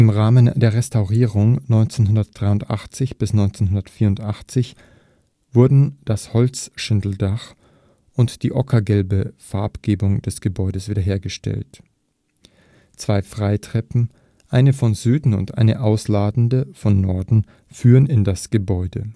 Rahmen der Restaurierung 1983 – 84 wurden das Holzschindeldach und die ockergelbe Farbgebung des Gebäudes wiederhergestellt. Zwei Freitreppen, eine von Süden und eine ausladende von Norden, führen in das Gebäude